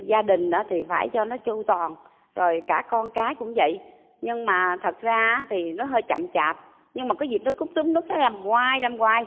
gia đình đã thì phải cho nó chu toàn rồi cả con cái cũng vậy nhưng mà thật ra thì nó hơi chậm chạp nhưng mà có dịp nó cứ cúp núp nó làm hoài làm hoài